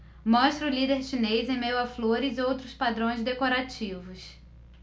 mostra o líder chinês em meio a flores e outros padrões decorativos